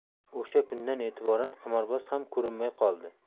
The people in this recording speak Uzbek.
o'sha kundan e'tiboran qimorboz ham ko'rinmay qoldi